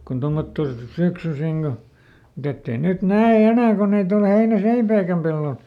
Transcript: kun tuommottoon syksyisin kun mutta että ei nyt näe enää kun nyt ole heinäseipäitäkään pellolla